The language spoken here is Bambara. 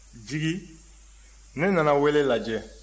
jigi ne nana wele lajɛ